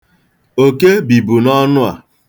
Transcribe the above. Oke bibu n'ọnụ a.